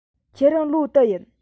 ཁྱེད རང ལོ དུ ཡིན